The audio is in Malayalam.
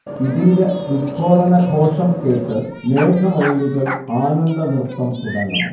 അതിന്റെ വിസ്ഫോടനഘോഷം കേട്ട് മേഘമയിലുകൾ ആനന്ദനൃത്തം തുടങ്ങണം